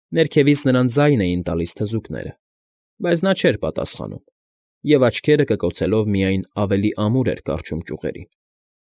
Ներքևից նրան ձայն էին տալիս թզուկները, բայց նա չէր պատասխանում և աչքերը կկոցելով միայն ավելի ամուր էր կառչում ճյուղերին։